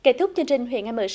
kết thúc chương trình huế ngày mới